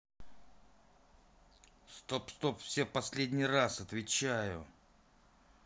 стоп стоп все последний раз отвечаю